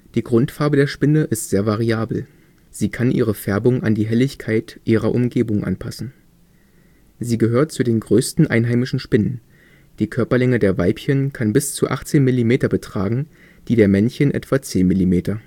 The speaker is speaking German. Die Grundfarbe der Spinne ist sehr variabel. Sie kann ihre Färbung an die Helligkeit ihrer Umgebung anpassen. Sie gehört zu den größten einheimischen Spinnen. Die Körperlänge der Weibchen kann bis zu 18 mm betragen, die der Männchen etwa 10 mm